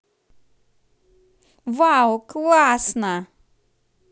вау классно